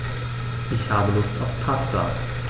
Ich habe Lust auf Pasta.